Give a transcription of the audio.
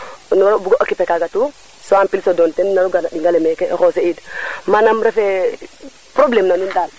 xena calel mbina ɗɗomit na instant nene kam mbine daal sa miñit neen no o bugo poccuper kaga tout so en plus o nara doon teen naro gara ɗinga leeke rose iid manam refe probleme na nuun daal